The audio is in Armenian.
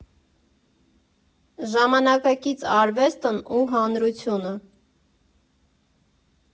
Ժամանակակից արվեստն ու հանրությունը։